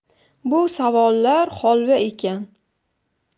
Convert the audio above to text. bu savollar holva ekan